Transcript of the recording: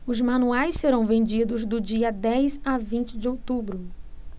os manuais serão vendidos do dia dez a vinte de outubro